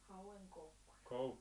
hauenkoukkuja